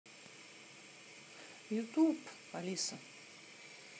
ютуб алиса